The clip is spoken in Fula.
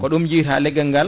ko ɗum jiyta leggal ngal